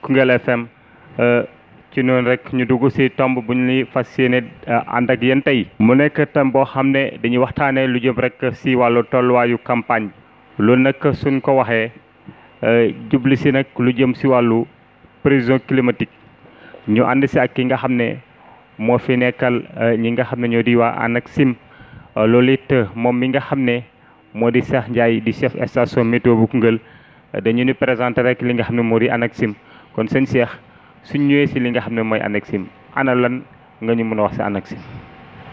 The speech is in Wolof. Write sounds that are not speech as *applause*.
Koungheul FM *hesitation* ci noonu rek ñu dugg si tomb bu ñuy fas yéene ànd ak yéen tey mu nekk tomb boo xam ne dañuy waxtaanee lu jëm rek si wàllu tolluwaayu campagne loolu nag suñ ko waxee *hesitation* jublu si nag lu jëm si wàllu prévision climatique ñu ànd si ak ki nga xam ne moo fi nekkal ñi nga xam ne ñoo di di waa ANACIM loolu it moom mi nga xam ne moo di Cheikh Ndiayr di chef station météo bu Koungeul dañu leen di présenté rek li nga xam ne moo di ANACIM kon sëñ Cheikh suñ ñëwee si li nga xam ne mooy ANACIM ana lan nga ñu mën a wax si ANACIM